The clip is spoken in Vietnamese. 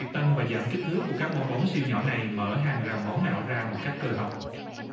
tăng và giảm kích thước của các bong bóng siêu nhỏ này mở hàng rào máu não ra một cách cơ học